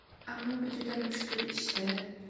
ammo bu juda mushkul ish da